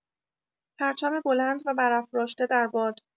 پرچم بلند و برافراشته در باد